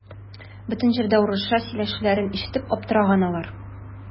Бөтен җирдә урысча сөйләшүләрен ишетеп аптыраган алар.